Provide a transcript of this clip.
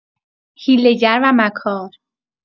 حیله‌گر و مکار